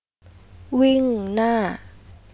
วิ่งหน้า